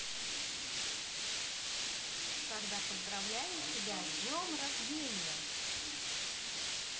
тогда поздравляю тебя с днем рождения